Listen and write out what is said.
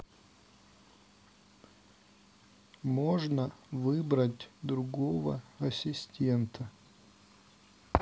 можно выбрать другого ассистента